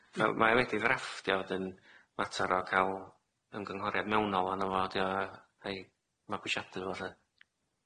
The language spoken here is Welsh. Wel ma' e wedi ddrafftio wedyn mater o ca'l ymgynghoriad mewnol arno fo ydi o yy ai mabwysiadu fo lly. Dyna fo.